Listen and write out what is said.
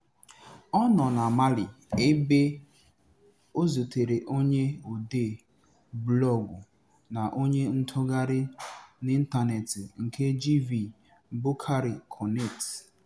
Ọ nọ na Mali ebe ọ zutere onye odee blọọgụ na onye ntụgharị n'ịntanetị nke GV, Boukary Konaté.